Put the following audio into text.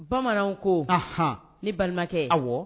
Bamananw ko, anhan, ne balimakɛ, Awɔ.